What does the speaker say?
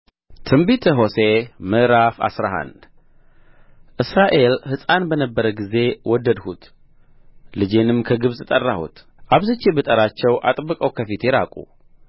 ትንቢተ ሆሴዕ ምዕራፍ አስራ አንድ እስራኤል ሕፃን በነበረ ጊዜ ወደድሁት ልጄንም ከግብጽ ጠራሁት አብዝቼ ብጠራቸው አጥብቀው ከፊቴ ራቁ